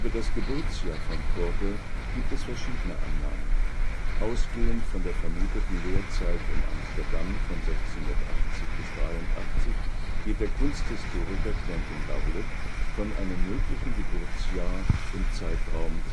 das Geburtsjahr von Coorte gibt es verschiedene Annahmen. Ausgehend von der vermuteten Lehrzeit in Amsterdam von 1680 - 83 geht der Kunsthistoriker Quentin Buvelot von einem möglichen Geburtsjahr im Zeitraum